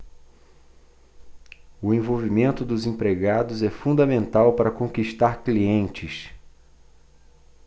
o envolvimento dos empregados é fundamental para conquistar clientes